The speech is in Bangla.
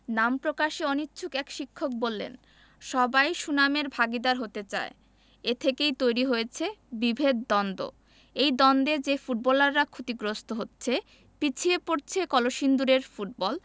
নাম প্রকাশে অনিচ্ছুক এক শিক্ষক বললেন সবাই সুনামের ভাগীদার হতে চায় এ থেকেই তৈরি হয়েছে বিভেদদ্বন্দ্ব এই দ্বন্দ্বে যে ফুটবলাররা ক্ষতিগ্রস্ত হচ্ছে পিছিয়ে পড়ছে কলসিন্দুরের ফুটবল